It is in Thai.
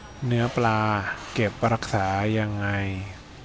เนื้อปลาเก็บรักษายังไง